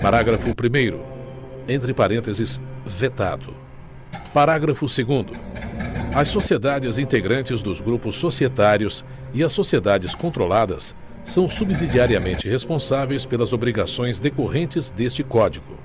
parágrafo primeiro entre parenteses vetado parágrafo segundo as sociedades integrantes dos grupos societários e as sociedades controladas são subsidiariamente responsáveis pelas obrigações decorrentes deste código